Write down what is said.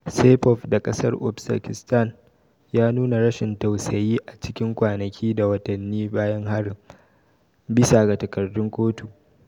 Saipov, dan kasar Uzbekistan, ya nuna rashin tausayi a cikin kwanaki da watanni bayan harin, bisa ga takardun kotu.